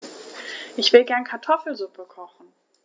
Ich will gerne Kartoffelsuppe kochen.